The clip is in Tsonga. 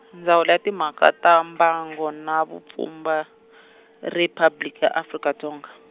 Ndzawulo ya Timhaka ta Mbango na Vupfhumba , Riphabliki ya Afrika Dzonga.